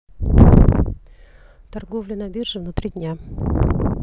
торговля на бирже внутри дня